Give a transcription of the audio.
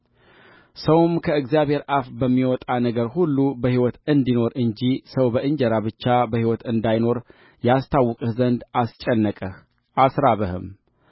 ሰውም ከእግዚአብሔር አፍ በሚወጣ ነገር ሁሉ በሕይወት እንዲኖር እንጂ ሰው በእንጀራ ብቻ በሕይወት እንዳይኖር ያስታውቅህ ዘንድ አስጨነቀህ አስራበህም